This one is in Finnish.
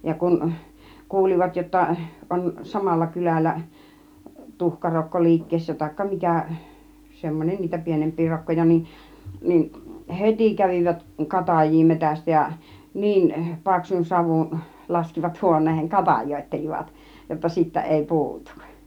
ja kun kuulivat jotta on samalla kylällä tuhkarokko liikkeessä tai mikä semmoinen niitä pienempiä rokkoja niin niin heti kävivät katajia metsästä ja niin paksun savun laskivat huoneeseen katajoittelivat jotta siitä ei puutu